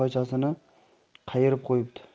pochasini qayirib qo'yibdi